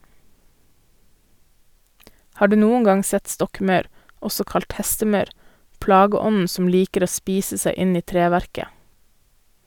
Har du noen gang sett stokkmaur, også kalt hestemaur, plageånden som liker å spise seg inn i treverket?